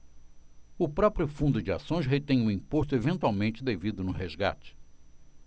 o próprio fundo de ações retém o imposto eventualmente devido no resgate